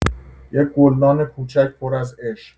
یک گلدان کوچک پر از عشق.